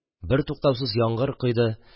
Бертуктаусыз яңгыр койды